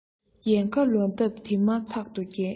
ཡལ ག ལོ འདབ དེ མ ཐག ཏུ རྒྱས